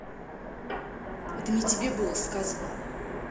это не тебе было сказано